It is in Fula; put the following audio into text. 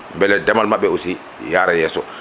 beele nddemal mabɓe aussi yaara yesso